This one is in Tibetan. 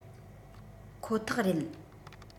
ཁོ ཐག རེད